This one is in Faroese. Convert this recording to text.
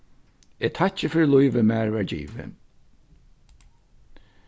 eg takki fyri lívið mær var givið